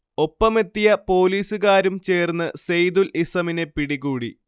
ഒപ്പമെത്തിയ പോലീസുകാരും ചേർന്ന് സെയ്തുൽ ഇസമിനെ പിടികൂടി